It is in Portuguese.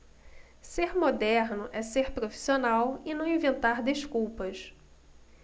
ser moderno é ser profissional e não inventar desculpas